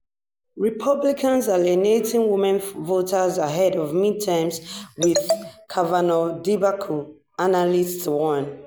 Republicans Alienating Women Voters Ahead of Midterms With Kavanaugh Debacle, Analysts Warn